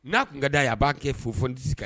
N'a kun ka' a ye a b'a kɛ fo fon tɛsi ka ye